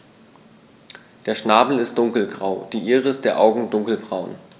Der Schnabel ist dunkelgrau, die Iris der Augen dunkelbraun.